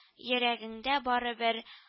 Йөрәгендә барыбер